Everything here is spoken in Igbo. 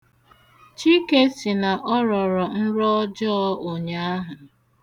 Chike sị na ọ rọrọ nrọ ọjọọ ụnyaahụ.